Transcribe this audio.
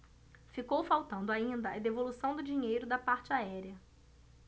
ficou faltando ainda a devolução do dinheiro da parte aérea